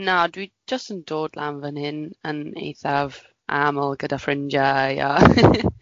Na dwi jyst yn dod lan fan hyn yn eithaf amal gyda ffrindiau a (Chwerthin)